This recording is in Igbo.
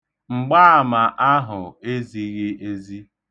Mgbaama ahụ ezighị ezi.